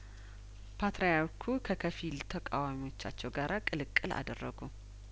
ፓትርያርኩ ከከፊል ተቃዋሚዎቻቸው ጋራ ቅልቅል አደረጉ